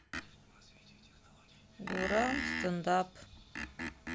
гурам стенд ап